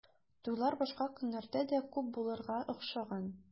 Туйлар башка көннәрдә дә күп булырга охшаган.